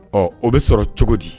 Ɔ o bɛ sɔrɔ cogo di